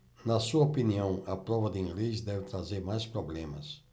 na sua opinião a prova de inglês deve trazer mais problemas